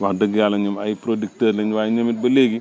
wax dëgg yàlla ñoom ay producteur lañ waaye ñoom it ba léegi